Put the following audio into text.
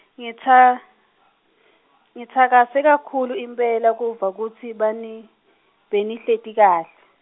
ngitsa- Ngitsakase kakhulu impela kuva kutsi bani- benihleti kahle.